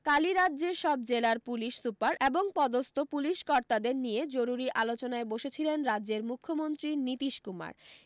কালি রাজ্যের সব জেলার পুলিশ সুপার এবং পদস্থ পুলিশ কর্তাদের নিয়ে জরুরি আলোচনায় বসেছিলেন রাজ্যের মুখ্যমন্ত্রী নীতীশ কুমার